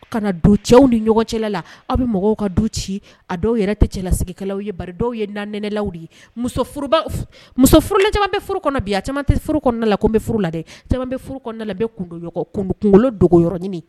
Kana don cɛw ni ɲɔgɔn cɛla la aw bɛ mɔgɔw ka du ci a dɔw yɛrɛ tɛ cɛlasigikɛlaw aw ye ba ye natɛnɛlaw de ye musof musof furula caman bɛ furu kɔnɔ bi a caman tɛ la la dɛ caman la dogo yɔrɔc